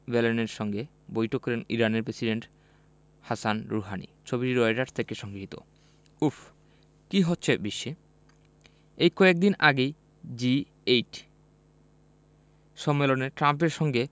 বেলেনের সঙ্গে বৈঠক করেন ইরানের প্রেসিডেন্ট হাসান রুহানি ছবিটি রয়টার্স থেকে সংগৃহীত উফ্ কী হচ্ছে বিশ্বে এই কয়েক দিন আগেই জি এইট সম্মেলনে ট্রাম্পের সঙ্গে